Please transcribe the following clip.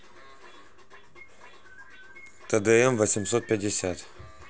тдм восемьсот пятьдесят